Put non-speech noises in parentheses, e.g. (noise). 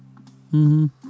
(hesitation) (hesitation)